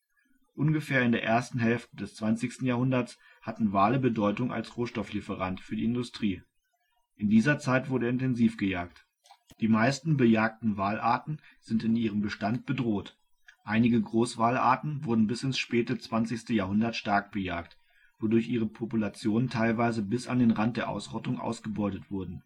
der ersten Hälfte des 20. Jahrhunderts hatten Wale Bedeutung als Rohstofflieferant für die Industrie. In dieser Zeit wurde intensiv gejagt. Die meisten bejagten Walarten sind in ihrem Bestand bedroht. Einige Großwalarten wurden bis ins späte 20. Jahrhundert stark bejagt, wodurch ihre Populationen teilweise bis an den Rand der Ausrottung ausgebeutet wurden